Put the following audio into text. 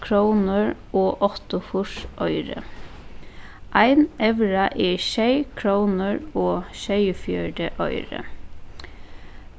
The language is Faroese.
krónur og áttaogfýrs oyru ein evra er sjey krónur og sjeyogfjøruti oyru